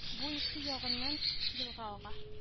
Бу ике ягыннан елга ага